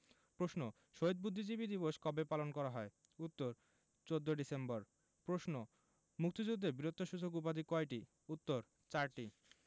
প্রশ্ন শহীদ বুদ্ধিজীবী দিবস কবে পালন করা হয় উত্তর ১৪ ডিসেম্বর প্রশ্ন মুক্তিযুদ্ধে বীরত্বসূচক উপাধি কয়টি উত্তর চারটি